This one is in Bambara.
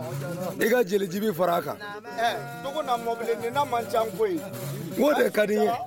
i ka jeli Jibi fara a kan, naamu, ma caa koyi de ka di ye